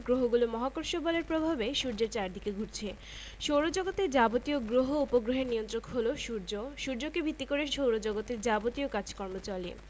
গ্রহগুলো মহাকর্ষ বলের প্রভাবে সূর্যের চারদিকে ঘুরছে সৌরজগতের যাবতীয় গ্রহ উপগ্রহের নিয়ন্ত্রক হলো সূর্য সূর্যকে ভিত্তি করে সৌরজগতের যাবতীয় কাজকর্ম চলে